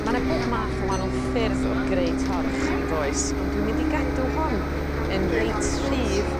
Ma' 'na bob math o wanol ffyrdd o greu torch yndoes ond dwi'n mynd i gadw hon yn reit rhydd